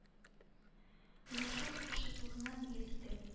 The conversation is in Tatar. Менә шул сугышсызлыкны нигез итеп